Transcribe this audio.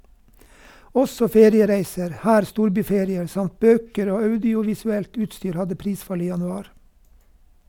Også feriereiser, her storbyferier, samt bøker og audiovisuelt utstyr hadde prisfall i januar.